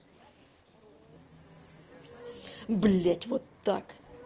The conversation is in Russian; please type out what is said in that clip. блять вот так